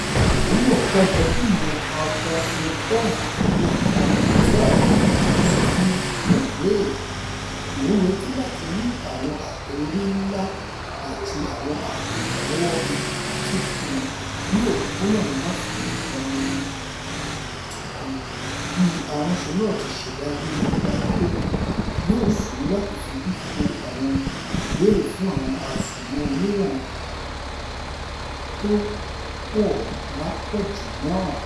Ìlúmọ̀ọ́ká gbajúmọ̀ afasọdárà Luke Armitage sọ fún FEMAIL: ''Mo ńretí láti rí àwọn ate-ori ńlá àti awọn àpò ìfàlọ́wọ́ etíkun ní òpópónà ńlá fún ìgba ooru tókàn - bí aránsọ náà ti ṣèdá irú ipa títóbi yóò ṣòro láti fóju fo àwọn ìbéèrè fún àwọn àṣomọ́ oníwọ̀n-tópọ̀lápọ̀jù náà.